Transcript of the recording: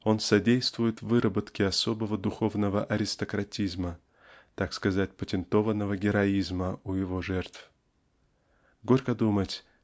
он содействует выработке особого духовного аристократизма так сказать патентованного героизма у его жертв. Горько думать